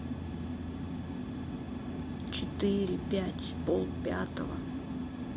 четыре пять пол пятого